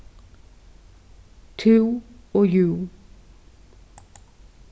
tú og jú